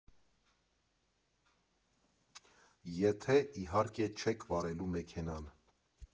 Եթե, իհարկե, չեք վարելու մեքենան։